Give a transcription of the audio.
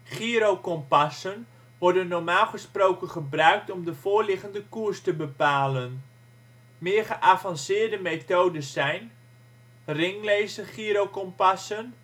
Gyrokompassen worden normaal gesproken gebruikt om de voorliggende koers te bepalen. Meer geavanceerde methodes zijn: Ringlasergyrokompassen